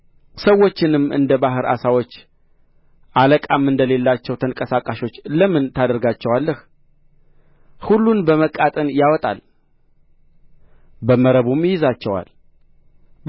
ሰዎችንም እንደ ባሕር ዓሣዎች አለቃም እንደሌላቸው ተንቀሳቃሾች ለምን ታደርጋቸዋለህ ሁሉን በመቃጥን ያወጣል በመረቡም ይይዛቸዋል